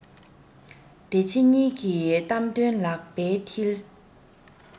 འདི ཕྱི གཉིས ཀྱི གཏམ དོན ལག པའི མཐིལ